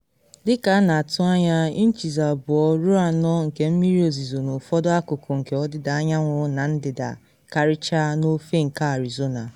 Dị ka a na atụ anya inchis 2 ruo 4 nke mmiri ozizo n’ụfọdụ akụkụ nke Ọdịda anyanwụ na ndịda, karịchaa n’ofe nke Arizona.